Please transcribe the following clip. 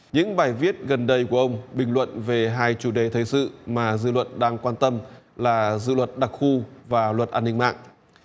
những bài viết gần đây của ông bình luận về hai chủ đề thời sự mà dư luận đang quan tâm là dự luật đặc khu và luật an ninh mạng